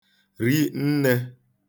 ri nnē